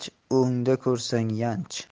ganj o'ngda ko'rsang yanch